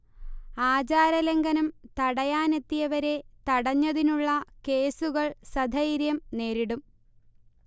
ആചാരലംഘനം തടയാനെത്തിയവരെ തടഞ്ഞതിനുള്ള കേസുകൾ സധൈര്യം നേരിടും